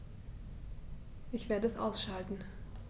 Ich werde es ausschalten